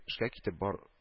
Эшкә китеп бар